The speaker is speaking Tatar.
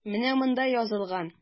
Менә монда язылган.